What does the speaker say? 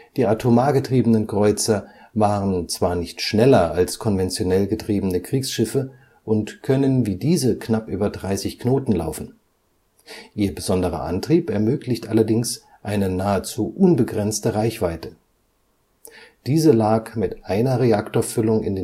Die atomar getriebenen Kreuzer waren zwar nicht schneller als konventionell getriebene Kriegsschiffe und können wie diese knapp über 30 Knoten laufen. Ihr besonderer Antrieb ermöglicht allerdings eine nahezu unbegrenzte Reichweite. Diese lag mit einer Reaktorfüllung in